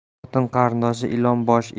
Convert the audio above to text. xotin qarindoshi ilon boshi